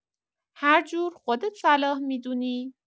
هر جور خودت صلاح می‌دونی.